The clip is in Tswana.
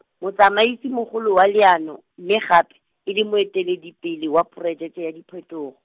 motsamaisi mogolo wa leano, mme gape, e le moeteledipele wa porojeke ya diphetogo.